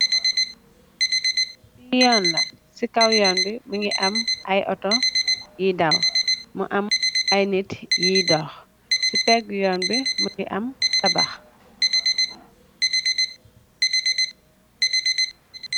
Li yoon la. Si kaw yoon bi, mungi am aye auto yui daw, mu am aye nit yui doh si pegi yon bi. Mungi am tabah.